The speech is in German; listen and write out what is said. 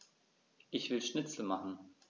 Ich will Schnitzel machen.